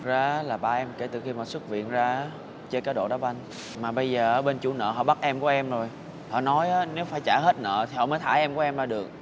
ra á là ba em kể từ khi mà xuất viện ra á chơi cá độ đá banh mà bây giờ ờ bên chủ nợ họ bắt em của em rồi họ nói á nếu phải trả hết nợ thì họ mới thả em của em ra được